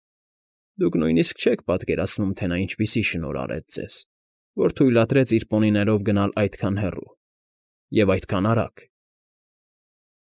Դուք նույնիսկ չեք պատկերացնում, թե նա ինչպիսի շնորհ արեց ձեզ, որ թույլատրեց իր պոնիներիով գնալ այդքան հեռու և այդքան արագ։ ֊